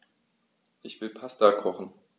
Ich will Pasta kochen.